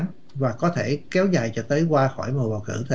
và có thể kéo dài cho tới qua khỏi mùa bầu cử cơ